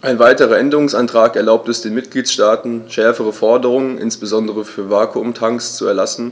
Ein weiterer Änderungsantrag erlaubt es den Mitgliedstaaten, schärfere Forderungen, insbesondere für Vakuumtanks, zu erlassen,